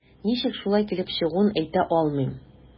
Ничек шулай килеп чыгуын әйтә алмыйм.